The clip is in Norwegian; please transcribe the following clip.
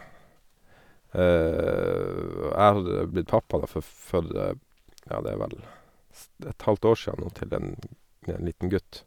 Jeg hadde blitt pappa, da, fo for, ja det er vel s det er et halvt år siden nå, til en en liten gutt.